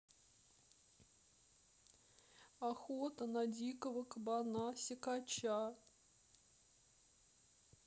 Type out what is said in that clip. охота на дикого кабана секача